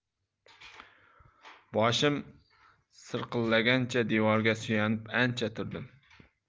boshim sirqillagancha devorga suyanib ancha turdim